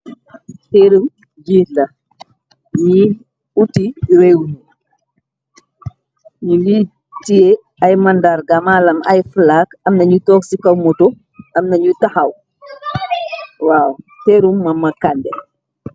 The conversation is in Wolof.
Terum jiir la. Ñi uti réewubi ñi li tié ay màndarga malam ay flack. Amnañu toog ci kawmoto amnañu taxaw wa terum mama kànde.